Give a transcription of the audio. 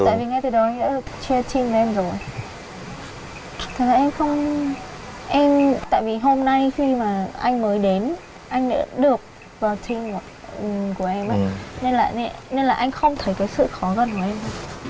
tại vì ngay từ đầu anh đã được chia chi với em rồi có lẽ anh không em tại vì hôm nay khi mà anh mới đến anh đã được vào tim rồi của của em á nên là nên là anh không thấy được cái sự khó gần của em